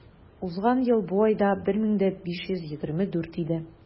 Узган ел бу айда 1524 иде.